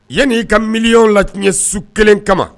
Yanni y'i ka miliy lacɲɛ su kelen kama